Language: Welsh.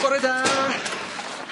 Bore da.